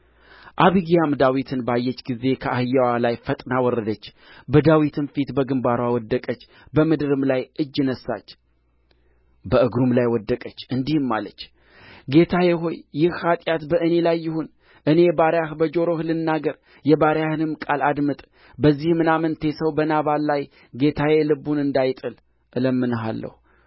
አቢግያም ዳዊትን ባየች ጊዜ ከአህያዋ ላይ ፈጥና ወረደች በዳዊትም ፊት በግምባርዋ ወደቀች በምድርም ላይ እጅ ነሣች በእግሩም ላይ ወደቀች እንዲህም አለች ጌታዬ ሆይ ይህ ኃጢአት በእኔ ላይ ይሁን እኔ ባሪያህ በጆሮህ ልናገር የባሪያህንም ቃል አድምጥ በዚህ ምናምንቴ ሰው በናባል ላይ ጌታዬ ልቡን እንዳይጣል እለምናለሁ